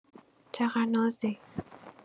چقدر نازی!